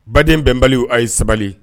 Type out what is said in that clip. Baden bɛnbalwi a ye sabali!